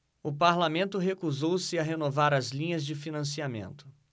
o parlamento recusou-se a renovar as linhas de financiamento